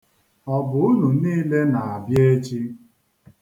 Ọ bụ unu niile na-abịa echi?